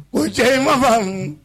Ko cɛ i ma faamuu